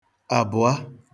àbụ̀a